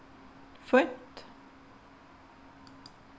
fínt